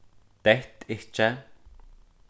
dett ikki